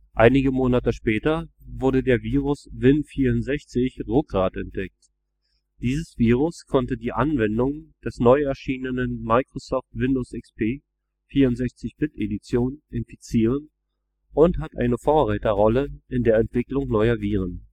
Einige Monate später wurde der Virus Win64.Rugrad entdeckt. Dieses Virus konnte die Anwendungen des neu erschienenen Microsoft Windows XP 64-bit Edition infizieren und hat eine Vorreiterrolle in der Entwicklung neuer Viren